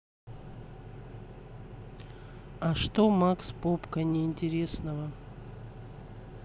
а что max попка неинтересного